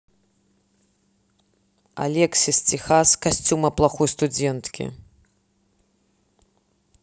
алексис техас костюма плохой студентки